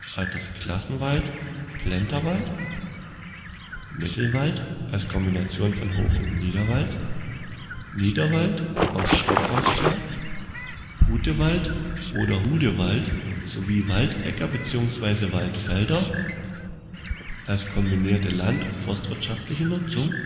Altersklassenwald Plenterwald Mittelwald als Kombination von Hoch - und Niederwald Niederwald aus Stockausschlag Hutewald oder Hudewald, sowie Waldäcker bzw. Waldfelder, als kombinierte land - und forstwirtschaftliche Nutzung